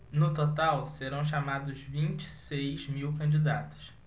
no total serão chamados vinte e seis mil candidatos